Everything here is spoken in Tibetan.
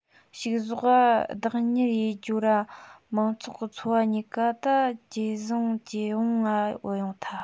ཕྱུགས ཟོག ག བདག གཉེར ཡེད རྒྱུའོ ར མང ཚོགས གི འཚོ བ གཉིས ཀ ད ཇེ བཟང ཇེ བང ང བུད ཡོང ཐལ